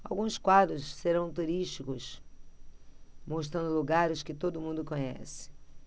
alguns quadros serão turísticos mostrando lugares que todo mundo conhece